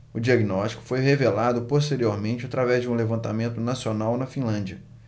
o diagnóstico foi revelado posteriormente através de um levantamento nacional na finlândia